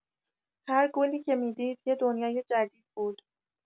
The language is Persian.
هر گلی که می‌دید، یه دنیای جدید بود.